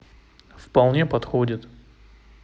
вполне подходит